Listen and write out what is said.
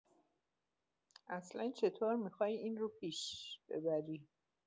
اصلا چه‌طور می‌خوای این رو پیش ببری؟